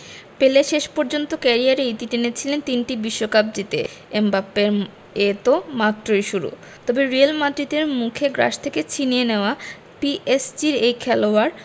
পেলে শেষ পর্যন্ত ক্যারিয়ারের ইতি টেনেছিলেন তিনটি বিশ্বকাপ জিতে এমবাপ্পের এ তো মাত্রই শুরু তবে রিয়াল মাদ্রিদের মুখে গ্রাস থেকে ছিনিয়ে নেওয়া পিএসজির এই খেলোয়াড়